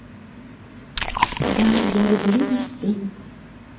да я люблю есенина